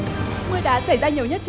mưa đá xảy ra nhiều nhất